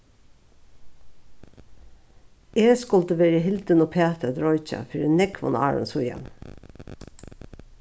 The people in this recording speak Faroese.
eg skuldi verið hildin uppat at roykja fyri nógvum árum síðan